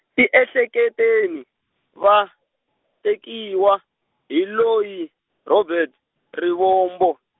tiehleketeni, va, tekiwa, hi loyi, Robert, Rivombo.